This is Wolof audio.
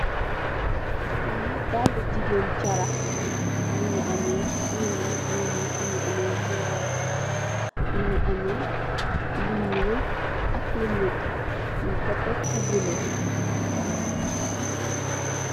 Yii daalue gigain charakh, mungy ameh boum yii, boum yii mungy ameh lu wekh, mungy ameh lu njull ak lu nehteh, njung kor tek fu bleu.